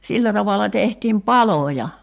sillä tavalla tehtiin paloja